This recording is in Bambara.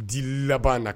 Di laban